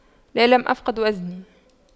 لا لم أفقد وزني